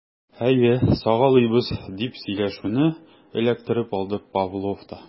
Әйе, сагалыйбыз, - дип сөйләшүне эләктереп алды Павлов та.